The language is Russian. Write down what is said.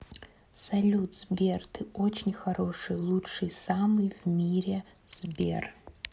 салют сбер ты очень хороший лучший самый в мире сбер